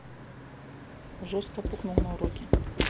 жестко пукнул на уроке